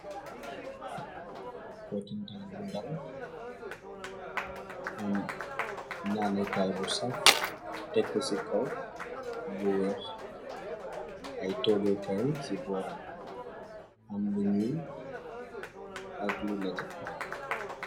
Potintaal bu daw am nanekaay bu saf tekk ci kaw bu weex ay toggekaay ci booram am li ñuul ak lu neté..